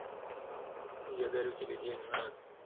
я дарю тебе день на